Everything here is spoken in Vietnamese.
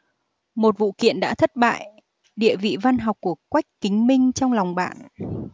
một vụ kiện đã thất bại địa vị văn học của quách kính minh trong lòng bạn